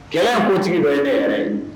Kɛlɛ in kuntigi dɔ ye ne yɛrɛ ye